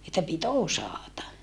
että piti osata